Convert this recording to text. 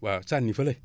waaw sànni fële